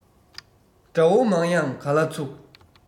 དགྲ བོ མང ཡང ག ལ ཚུགས